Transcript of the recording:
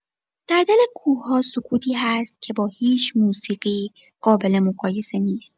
در دل کوه‌ها سکوتی هست که با هیچ موسیقی قابل‌مقایسه نیست.